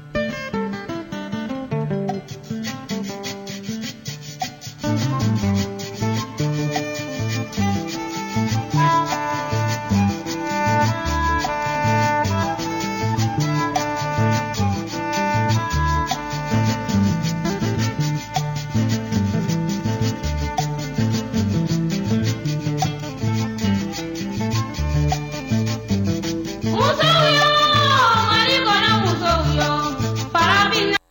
Muso wakɔrɔ muso faama